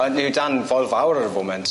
Yy ni o dan Foel Fawr ar y foment.